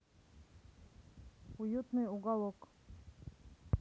уютный уголок